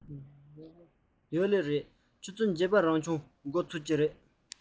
ཡོད རེད ཆུ ཚོད བརྒྱད པར རང སྦྱོང འགོ ཚུགས ཀྱི རེད